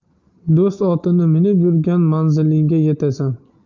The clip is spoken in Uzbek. do'st otini minib yur manzilingga yetasan